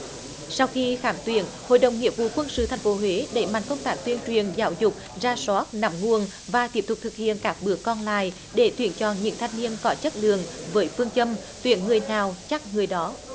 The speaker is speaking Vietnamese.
sau khi khám tuyển hội đồng nghỉa vụ quân sự thành phố huế đẩy mạnh công tác tuyêng truyền giáo dục rà soát nắm nguồn và tiếp tục thực hiện các bước còn lại để tuyển chọn những thanh niên có chất lượng với phương châm tuyển người nào chắc người đó